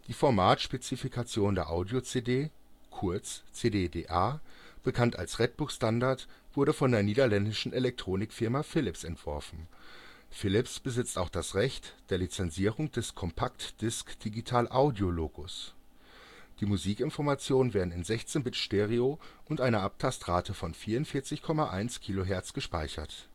Format-Spezifikationen der Audio-CD (kurz CD-DA), bekannt als „ Red Book “- Standard, wurde von der niederländischen Elektronikfirma Philips entworfen. Philips besitzt auch das Recht der Lizenzierung des „ Compact Disc Digital Audio “- Logos. Die Musikinformationen werden in 16-Bit-Stereo und einer Abtastrate von 44,1 kHz gespeichert